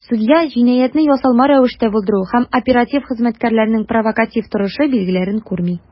Судья "җинаятьне ясалма рәвештә булдыру" һәм "оператив хезмәткәрләрнең провокатив торышы" билгеләрен күрми.